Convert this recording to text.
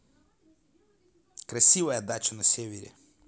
красивая дача на севере